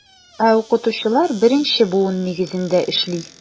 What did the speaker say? Ә укытучылар беренче буын нигезендә эшли.